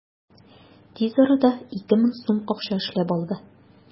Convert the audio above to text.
Тиз арада 2000 сум акча эшләп алды.